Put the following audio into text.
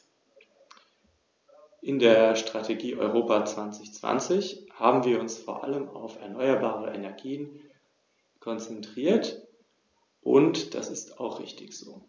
Danken möchte ich sowohl dem Berichterstatter für seinen überaus akribischen und sachkundigen Bericht als auch der Kommission für den von ihr eingebrachten Vorschlag.